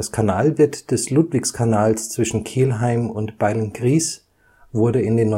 Kanalbett des Ludwigskanals zwischen Kelheim und Beilngries wurde in den